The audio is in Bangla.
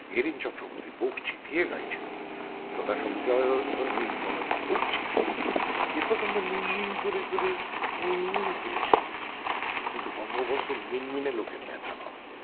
গাইতেন নীরেন চক্রবর্তী বুক চিতিয়ে গাইছেন তোরা সব জয়ধ্বনি কর বুক চিতিয়ে এ পর্যন্ত তো মিনমিন করে করে মিনমিন করেছি কিন্তু বঙ্গবন্ধু মিনমিনে লোকের নেতা নন